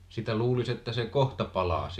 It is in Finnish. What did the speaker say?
sitä luulisi että se kohta palaa sitten